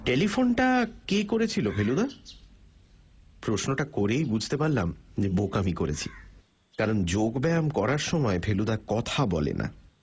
টেলিফোনটা কে করেছিল ফেলুদা প্রশ্নটা করেই বুঝতে পারলাম যে বোকামি করেছি কারণ যোগব্যায়াম করার সময় ফেলুদা কথা বলে না